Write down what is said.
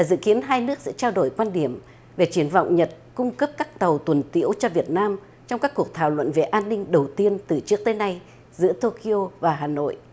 dự kiến hai nước sẽ trao đổi quan điểm về triển vọng nhật cung cấp các tàu tuần tiễu cho việt nam trong các cuộc thảo luận về an ninh đầu tiên từ trước tới nay giữa tokyo và hà nội